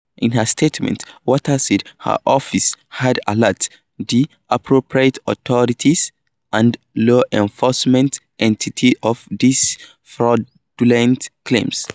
In her statement, Waters said her office had alerted "the appropriate authorities and law enforcement entities of these fraudulent claims.